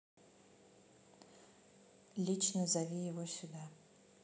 лично зови его сюда